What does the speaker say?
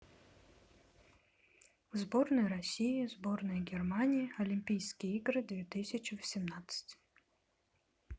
сборная россии сборная германии олимпийские игры две тысячи восемнадцать